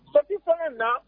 Paki fana na